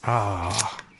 Ahh.